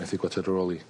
methu gwatsiad ar ôl 'i